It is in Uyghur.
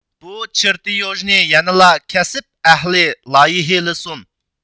بۇ چېرتيوژنى يەنىلا كەسىپ ئەھلى لايىھىلىسۇن